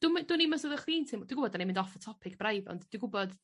Dwn i- dwn i'm os fyddach chdi'n teimlo... Dwi'n gwbod 'dan ni'n mynd off y topic braidd ond dwi gwbod